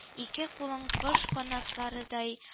Ике кулын кош канатларыдай